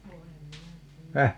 voi en minä tiedä